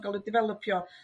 ca'l i dyfelypio